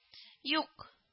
- юк